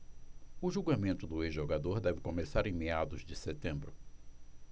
o julgamento do ex-jogador deve começar em meados de setembro